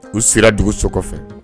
U sera dugu so kɔfɛ